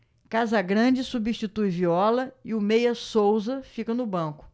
casagrande substitui viola e o meia souza fica no banco